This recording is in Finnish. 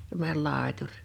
semmoinen laituri